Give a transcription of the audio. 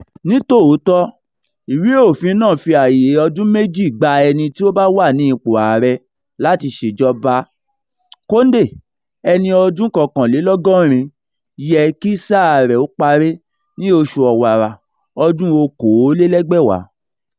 Ní tòótọ́, ìwé-òfin náà fi ààyè ọdún méjì gba ẹni tí ó bá wà ní ipò ààrẹ láti ṣèjọba. Condé, ẹni ọdún 81, yẹ kí sáà rẹ̀ ó parí ní oṣù Ọ̀wàrà ọdún-un 2020.